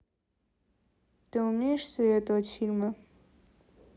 ты умеешь советовать фильмы